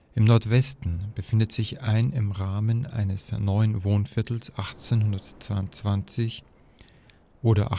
Nordwesten befindet sich ein im Rahmen eines neuen Wohnviertels 1822 (oder